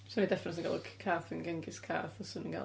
'swn i'n definitely yn galw c- cath fi'n Genghis cath os 'swn i'n gael un.